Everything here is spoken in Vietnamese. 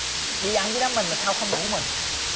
đi ăn với đám mình mà sao không rủ mình